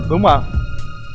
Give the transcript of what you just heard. đúng ạ